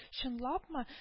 — чынлапмы